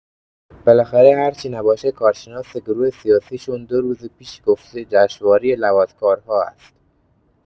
بالاخره هرچی نباشه کارشناس گروه سیاسیشون ۲ روز پیش گفته جشنوارۀ لواط‌کارها است.